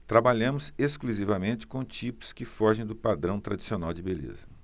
trabalhamos exclusivamente com tipos que fogem do padrão tradicional de beleza